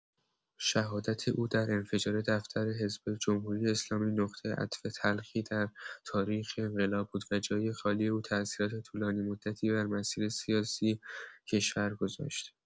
شهادت او در انفجار دفتر حزب جمهوری‌اسلامی نقطه عطف تلخی در تاریخ انقلاب بود و جای خالی او تأثیرات طولانی‌مدتی بر مسیر سیاسی کشور گذاشت.